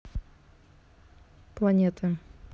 планеты